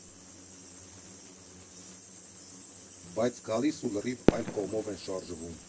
Բայց գալիս ու լրիվ այլ կողմով են շարժվում։